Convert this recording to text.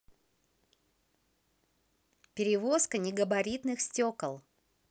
перевозка негабаритных стекол